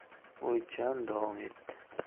o'ychan davom etdi